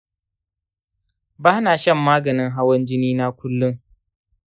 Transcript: ba na shan maganin hawan jini na kullun.